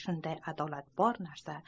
shunday adolat bor narsa